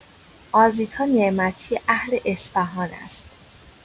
آزیتا نعمتی اهل اصفهان است؛